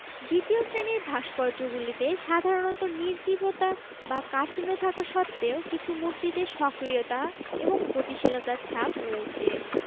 দ্বিতীয় শ্রেণির ভাস্কর্যগুলিতে সাধারণত নির্জীবতা বা কাঠিণ্য থাকা সত্ত্বেও কিছু মূর্তিতে সক্রিয়তা এবং গতিশীলতার ছাপ রয়েছে